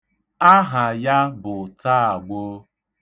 Aha ya bụ Tagbo.